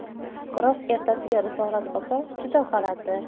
biroq ertasiga risolat opa juda g'alati